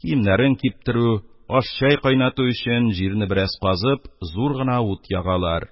Киемнәрен киптерү, аш- чәй кайнату өчен, җирне бераз казып, зур гына ут ягалар